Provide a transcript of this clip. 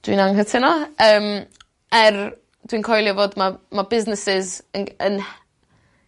Dwi'n anghytuno yym er dwi'n coelio fod ma' ma' businesses yn g- yn